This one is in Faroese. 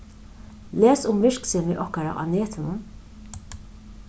les um virksemi okkara á netinum